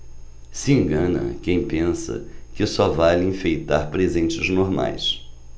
se engana quem pensa que só vale enfeitar presentes normais